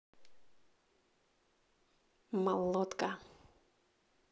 молодка